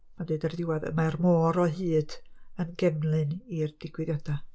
Mae'n deud ar y diwadd "y mae'r môr o hyd yn gefnlun i'r digwyddiadau."